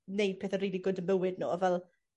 neud pethe rili good yn bywyd n'w a fel